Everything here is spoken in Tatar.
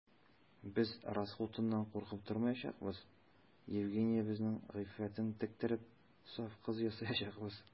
Без расхутыннан куркып тормаячакбыз: Евгениябезнең гыйффәтен тектереп, саф кыз ясаячакбыз.